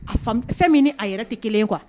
A fɛn min ni a yɛrɛ tɛ kelen ye quoi